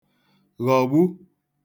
ghọ̀gbù